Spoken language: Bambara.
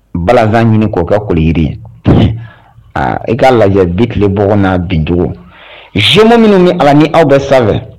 Balasan ɲini k'o kɛ koliyiri ye aa i k'a lajɛ bi tile bɔko n'a bincogo jeunes minnu mi a la ni aw bɛɛ sanfɛ